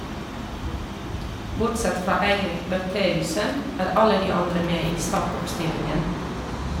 - Bortsett fra Eirik Bertheussen er alle de andre med i startoppstillingen.